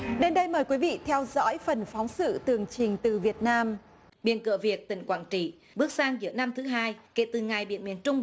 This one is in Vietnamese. bên đây mời quý vị theo dõi phần phóng sự tường trình từ việt nam biển cửa việt tỉnh quảng trị bước sang năm thứ hai kể từ ngày biển miền trung